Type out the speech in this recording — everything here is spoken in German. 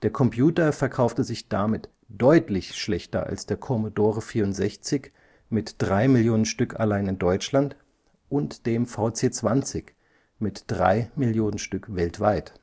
Computer verkaufte sich damit deutlich schlechter als der Commodore 64 (3 Millionen Stück allein in Deutschland) und VC 20 (3 Millionen Stück weltweit